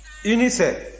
i ni se